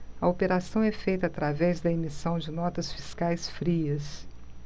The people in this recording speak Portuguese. a operação é feita através da emissão de notas fiscais frias